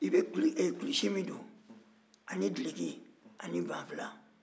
i bɛ kulusi min don ani duloki ani banfula